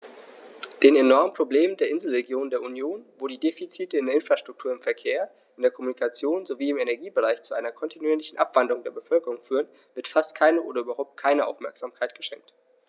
Den enormen Problemen der Inselregionen der Union, wo die Defizite in der Infrastruktur, im Verkehr, in der Kommunikation sowie im Energiebereich zu einer kontinuierlichen Abwanderung der Bevölkerung führen, wird fast keine oder überhaupt keine Aufmerksamkeit geschenkt.